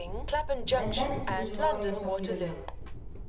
Әллә нинди боҗралар ясап йөрегән